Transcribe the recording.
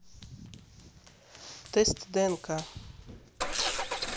тест днк